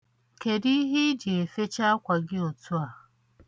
Kedu ihe ị ji efecha akwa gị otua?